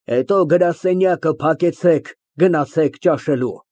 Հետո գրասենյակը փակեցեք, գնացեք ճաշելու։